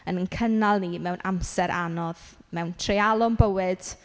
Yn ein cynnal ni mewn amser anodd, mewn treialon bywyd.